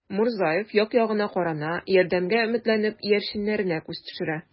Мурзаев як-ягына карана, ярдәмгә өметләнеп, иярченнәренә күз төшерә.